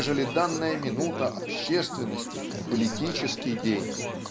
нежели данная минута общественности политический день.